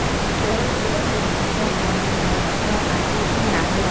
เริ่มตั้งแต่ตอนนี้แหละ เพราะอายุมันหลายแล้ว